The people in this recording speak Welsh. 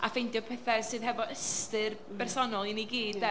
a ffeindio pethau sy hefo ystyr bersonol i ni gyd de... ia.